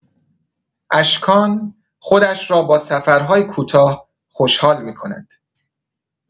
اشکان خودش را با سفرهای کوتاه خوشحال می‌کند.